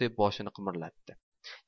deb boshini qimirlatdi